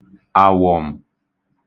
àwọ̀m̀